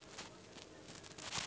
включи арию